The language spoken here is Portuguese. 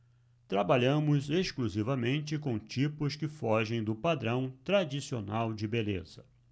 trabalhamos exclusivamente com tipos que fogem do padrão tradicional de beleza